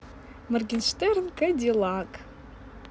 morgenshtern cadillac